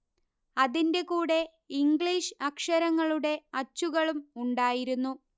അതിന്റെ കൂടെ ഇംഗ്ലീഷ് അക്ഷരങ്ങളുടെ അച്ചുകളും ഉണ്ടായിരുന്നു